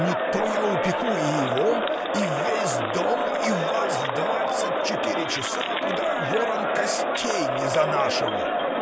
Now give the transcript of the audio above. Не то я упеку и его, и весь дом, и вас в двадцать четыре часа куда ворон костей не занашивал.